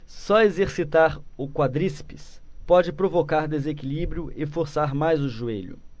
só exercitar o quadríceps pode provocar desequilíbrio e forçar mais o joelho